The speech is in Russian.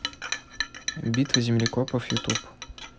битва землекопов youtube